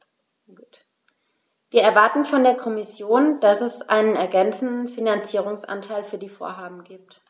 Wir erwarten von der Kommission, dass es einen ergänzenden Finanzierungsanteil für die Vorhaben gibt.